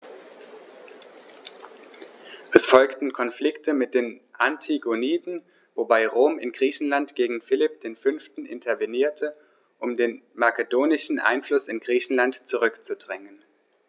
Es folgten Konflikte mit den Antigoniden, wobei Rom in Griechenland gegen Philipp V. intervenierte, um den makedonischen Einfluss in Griechenland zurückzudrängen.